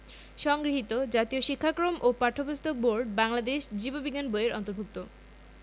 সংগৃহীত জাতীয় শিক্ষাক্রম ও পাঠ্যপুস্তক বোর্ড বাংলাদেশ জীব বিজ্ঞান বই এর অন্তর্ভুক্ত